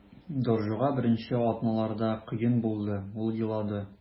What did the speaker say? Доржуга беренче атналарда кыен булды, ул елады.